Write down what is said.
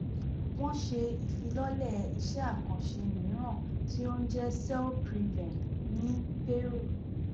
Wọ́n ṣe ìfilọ́lẹ̀ iṣẹ́ àkànṣe mìíràn tí ó ń jẹ́ Cell-PREVEN ní Peru.